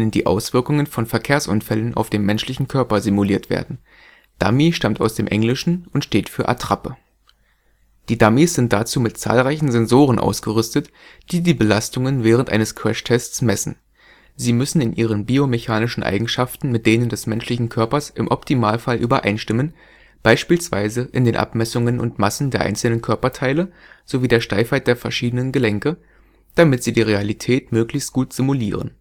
die Auswirkungen von Verkehrsunfällen auf den menschlichen Körper simuliert werden. Dummy [ˈdʌmɪ] stammt aus dem Englischen und steht für Attrappe. Die Dummies sind dazu mit zahlreichen Sensoren ausgerüstet, die die Belastungen während eines Crashtests messen. Sie müssen in ihren biomechanischen Eigenschaften mit denen des menschlichen Körpers im Optimalfall übereinstimmen – beispielsweise in den Abmessungen und Massen der einzelnen Körperteile sowie der Steifheit der verschiedenen Gelenke – damit sie die Realität möglichst gut simulieren